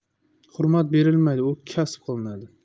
hurmat berilmaydi u kasb qilinadi